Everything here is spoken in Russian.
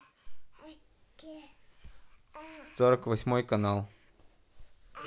сорок восьмой канал